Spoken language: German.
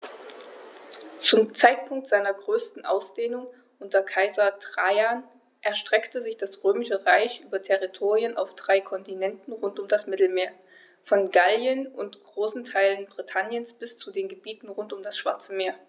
Zum Zeitpunkt seiner größten Ausdehnung unter Kaiser Trajan erstreckte sich das Römische Reich über Territorien auf drei Kontinenten rund um das Mittelmeer: Von Gallien und großen Teilen Britanniens bis zu den Gebieten rund um das Schwarze Meer.